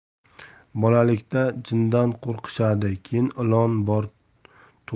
bolalikda jindan qo'rqishadi keyin ilon